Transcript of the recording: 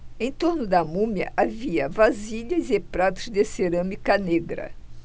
em torno da múmia havia vasilhas e pratos de cerâmica negra